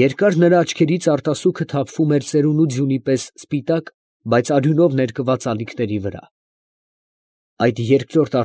երկար նրա աչքերից արտասուքը թափվում էր ծերունու ձյունի պես սպիտակ, բայց արյունով ներկված ալիքների վրա։ .Այդ երկրորդ։